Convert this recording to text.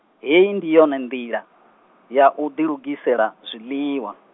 hei ndi yone ndila, ya u ḓilugisela zwiḽiwa.